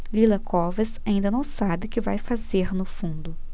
lila covas ainda não sabe o que vai fazer no fundo